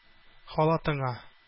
Халатыңа